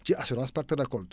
ci assurance perte récolte